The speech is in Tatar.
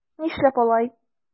Нишләп алай?